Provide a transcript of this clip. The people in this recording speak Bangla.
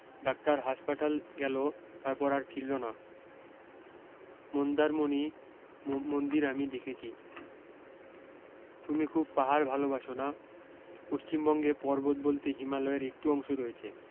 ডাক্তার হাসপাতাল গেল তারপর আর ফিরলোনা মোন্দার মণি মন্দির আমি দেখেছি তুমি খুব পাহাড় ভালোবাসো না পশ্চিমবঙ্গে পর্বত বলতে হিমালয়ের একটু অংশ রয়েছে